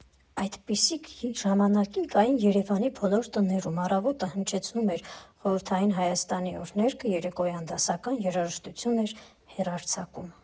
Այդպիսիք ժամանակին կային Երևանի բոլոր տներում՝ առավոտը հնչեցնում էր խորհրդային Հայաստանի օրհներգը, երեկոյան՝ դասական երաժշտություն էր հեռարձակում։